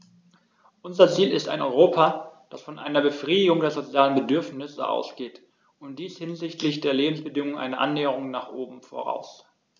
Unser Ziel ist ein Europa, das von einer Befriedigung der sozialen Bedürfnisse ausgeht, und dies setzt hinsichtlich der Lebensbedingungen eine Annäherung nach oben voraus.